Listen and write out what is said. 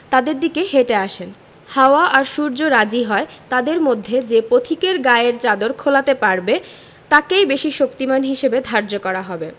তাদের দিকে হেটে আসেন হাওয়া আর সূর্য রাজি হয় তাদের মধ্যে যে পথিকে গায়ের চাদর খোলাতে পারবে তাকেই বেশি শক্তিমান হিসেবে ধার্য করা হবে